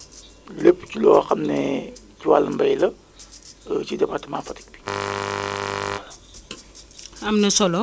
donc variété boobu da nga koy kii mais lu mel ni gerte wala dugub moom yaakaar naa ne f mu nekk nii weesu nañu fi nga xamante ne bi di wax ay waxi ji ko quoi